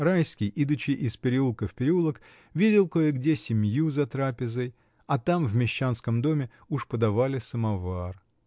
Райский, идучи из переулка в переулок, видел кое-где семью за трапезой, а там, в мещанском доме, уж подавали самовар.